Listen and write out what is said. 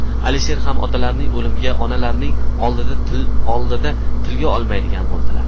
alisher ham otalarining o'limini onalarining oldida tilga olmaydigan bo'ldilar